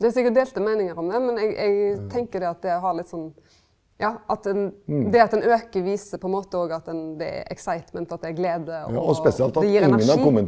det er sikker delte meiningar om det, men eg eg tenker det at det har litt sånn ja at ein det at ein aukar viser på ein måte òg at ein det er at det er glede og det gir energi.